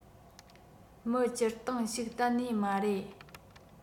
མི སྤྱིར བཏང ཞིག གཏན ནས མ རེད